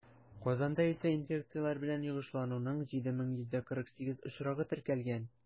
Казанда исә инфекцияләр белән йогышлануның 7148 очрагы теркәлгән.